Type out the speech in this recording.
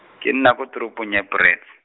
ke nna kwa toropong ya Brits.